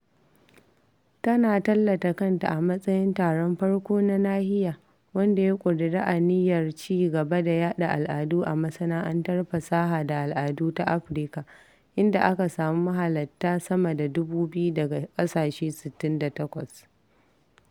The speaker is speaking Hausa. Tana tallata kanta a matsayin ''taron farko na nahiya wanda ya ƙudiri aniyar ci gaba da yaɗa al'adu a masana'antar fasaha da al'adu ta Afirka, inda aka samu mahalatta sama da 2000 daga ƙasashe 68.